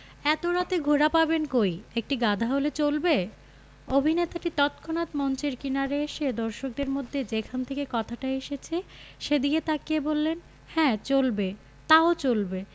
এত রাতে ঘোড়া পাবেন কই একটি গাধা হলে চলবে অভিনেতাটি তৎক্ষনাত মঞ্চের কিনারে এসে দর্শকদের মধ্যে যেখান থেকে কথাটা এসেছে সেদিকে তাকিয়ে বললেন হ্যাঁ চলবে তাও চলবে